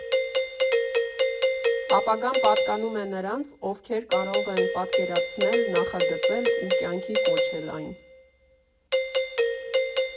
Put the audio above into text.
Ապագան պատկանում է նրանց, ովքեր կարող են պատկերացնել, նախագծել ու կյանքի կոչել այն։